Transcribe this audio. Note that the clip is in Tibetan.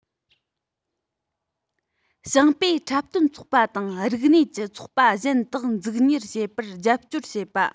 ཞིང པས འཁྲབ སྟོན ཚོགས པ དང རིག གནས ཀྱི ཚོགས པ གཞན དག འཛུགས གཉེར བྱེད པར རྒྱབ སྐྱོར བྱེད པ